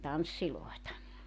tansseja